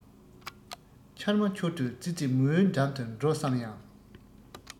ཁྱར མ ཁྱོར དུ ཙི ཙི མོའི འགྲམ དུ འགྲོ བསམ ཡང